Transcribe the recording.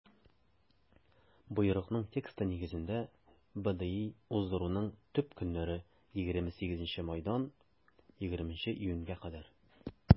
Боерыкның тексты нигезендә, БДИ уздыруның төп көннәре - 28 майдан 20 июньгә кадәр.